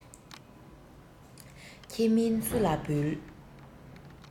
ཁྱེད མིན སུ ལ འབུལ